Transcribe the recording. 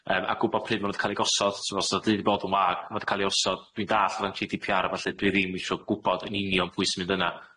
yym, a gwbod pryd ma' nw 'di ca'l eu gosod. T'mo os o'dd 'na dŷ 'di bod yn wag, ma' 'di ca'l i osod, dwi'n dallt o ran Gee Dee Pee Are a ballu, dwi ddim isio gwbod yn union pwy sy'n mynd yna.